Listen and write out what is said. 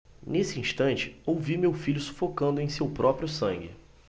nesse instante ouvi meu filho sufocando em seu próprio sangue